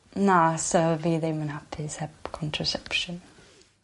na sa fi ddim yn hapus heb contraception.